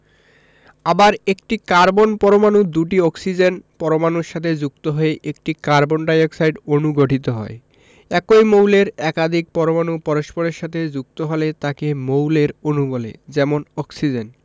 আবার একটি কার্বন পরমাণু দুটি অক্সিজেন পরমাণুর সাথে যুক্ত হয়ে একটি কার্বন ডাই অক্সাইড অণু গঠিত হয় একই মৌলের একাধিক পরমাণু পরস্পরের সাথে যুক্ত হলে তাকে মৌলের অণু বলে যেমন অক্সিজেন